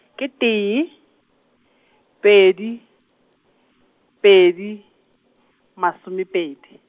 ke tee, pedi, pedi, masomepedi.